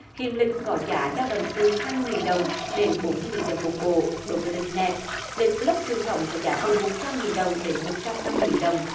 hiện lịch có giá dao động từ hai mươi nghìn đồng đến bốn mươi nghìn đồng một bộ đối với lịch nẹp lịch bờ lốc truyền thống có giá từ một trăm nghìn đồng đến một trăm năm mươi nghìn đồng